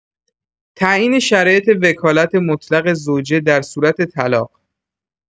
تعیین شرایط وکالت مطلق زوجه در صورت طلاق